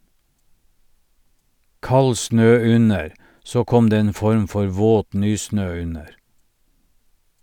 Kald snø under, så kom det en form for våt nysnø under.